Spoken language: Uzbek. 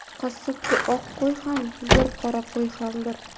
qassobga oq qo'y ham bir qora qo'y ham bir